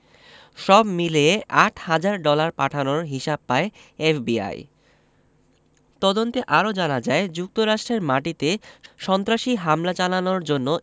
সব মিলিয়ে আট হাজার ডলার পাঠানোর হিসাব পায় এফবিআই তদন্তে আরও জানা যায় যুক্তরাষ্ট্রের মাটিতে সন্ত্রাসী হামলা চালানোর জন্য